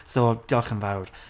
so, diolch yn fawr.